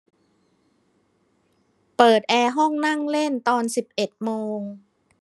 เปิดแอร์ห้องนั่งเล่นตอนสิบเอ็ดโมง